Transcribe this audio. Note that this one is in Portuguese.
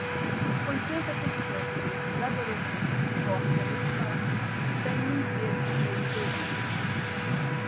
oitenta por cento desses adolescentes norte-americanos têm um emprego de meio período